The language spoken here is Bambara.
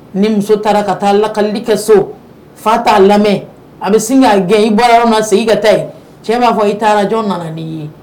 Ni muso taara ka taa lakali kɛ so. Fa t'a lamɛn, a bɛ sin ka gɛn. i bɔra yɔrɔ min na segin ka taa yen. Cɛ b'a fɔ, i taara jɔn nana n'i ye?